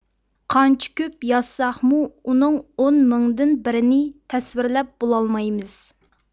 قانچە كۆپ يازساقمۇ ئۇنىڭ ئون مىڭدىن بىرىنى تەسۋىرلەپ بولالمايمىز